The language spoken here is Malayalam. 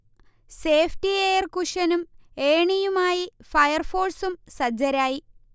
സേഫ്ടി എയർ കുഷനും ഏണിയുമായി ഫയർ ഫോഴ്സും സജ്ജരായി